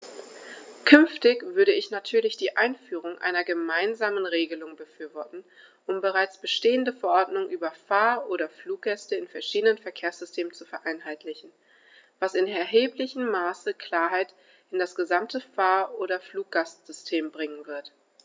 Künftig würde ich natürlich die Einführung einer gemeinsamen Regelung befürworten, um bereits bestehende Verordnungen über Fahr- oder Fluggäste in verschiedenen Verkehrssystemen zu vereinheitlichen, was in erheblichem Maße Klarheit in das gesamte Fahr- oder Fluggastsystem bringen wird.